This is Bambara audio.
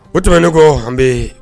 O tɛmɛn ne kɔ an bɛ